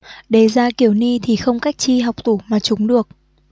đề ra kiểu ni thì không cách chi học tủ mà trúng được